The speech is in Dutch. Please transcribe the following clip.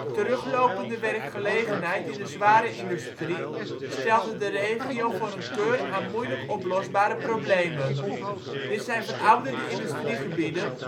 Teruglopende werkgelegenheid in de zware industrie stelde de regio voor een keur aan moeilijk oplosbare problemen. Dit zijn verouderde industriegebieden